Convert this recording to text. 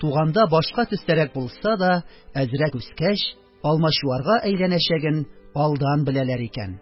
Туганда башка төстәрәк булса да, әзрәк үскәч, алмачуарга әйләнәчәген алдан беләләр икән.